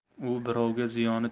u birovga ziyoni